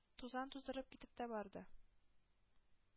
Тузан туздырып китеп тә барды.